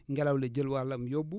ngelaw li jël wàllam yóbbu